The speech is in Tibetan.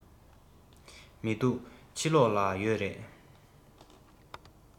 མི འདུག ཕྱི ལོགས ལ ཡོད རེད